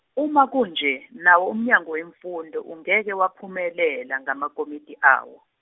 uma kunje, nawo uMnyango weMfundo ungeke waphumelela ngamakomiti awo.